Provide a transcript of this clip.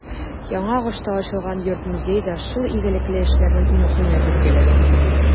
Яңагошта ачылган йорт-музей да шул игелекле эшләрнең иң мөһиме, билгеле.